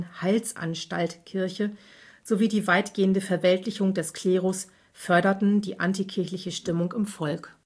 Heilsanstalt “Kirche sowie die weitgehende Verweltlichung des Klerus förderten die antikirchliche Stimmung im Volk